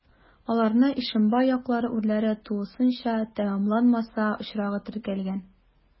Аларны Ишембай яклары урләре тулысынча тәмамланмаса очрагы теркәлгән.